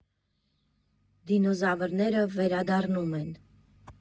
Դինոզավրները վերադառնում են։